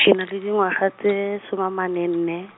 ke na le dingwaga tse soma a mane nne.